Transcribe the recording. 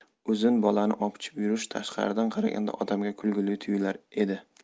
uzun bolani opichib yurish tashqaridan qaragan odamga kulgili tuyular edi